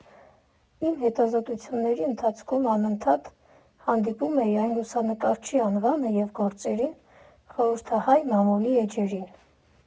Իմ հետազոտությունների ընթացքում անընդհատ հանդիպում էի այս լուսանկարչի անվանը և գործերին խորհրդահայ մամուլի էջերին։